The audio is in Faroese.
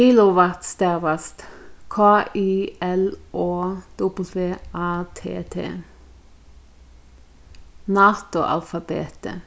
kilowatt stavast k i l o w a t t nato-alfabetið